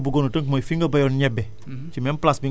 mais suñ ko bëggoon a tënk mooy fi nga bayoon ñebe